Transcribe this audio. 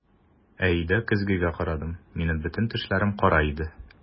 Ә өйдә көзгегә карадым - минем бөтен тешләрем кара иде!